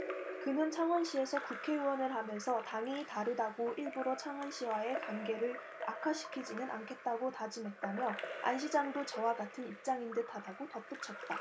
그는 창원시에서 국회의원을 하면서 당이 다르다고 일부러 창원시와의 관계를 악화시키지는 않겠다고 다짐했다며 안 시장도 저와 같은 입장인 듯 하다고 덧붙였다